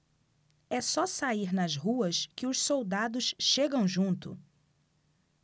é só sair nas ruas que os soldados chegam junto